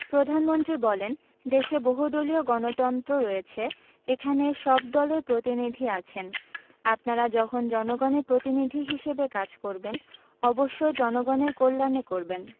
প্রধানমন্ত্রী বলেন দেশে বহুদলীয় গণতন্ত্র রয়েছে এখানে সব দলের প্রতিনিধি আছেন আপনারা যখন জনগণের প্রতিনিধি হিসেবে কাজ করবেন অবশ্যই জনগণের কল্যাণ করবেন